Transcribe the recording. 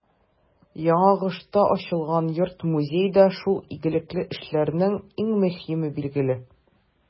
Яңагошта ачылган йорт-музей да шул игелекле эшләрнең иң мөһиме, билгеле.